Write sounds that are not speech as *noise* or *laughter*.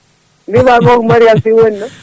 mbimami o ko Mariame Sy woni ɗo *laughs*